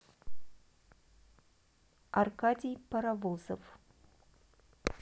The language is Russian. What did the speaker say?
аркадий паровозов